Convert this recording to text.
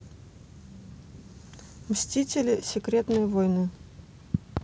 мстители секретные войны